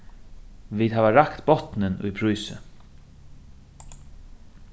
vit hava rakt botnin í prísi